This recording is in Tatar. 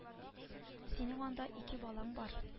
Синең анда ике балаң бар